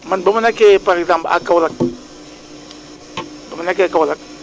man ba ma nekkee par exemple à Kaolack ba ma nekkee Kaolack